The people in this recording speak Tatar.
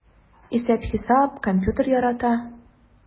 Исәп-хисап, компьютер ярата...